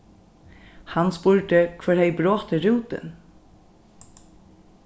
hann spurdi hvør hevði brotið rútin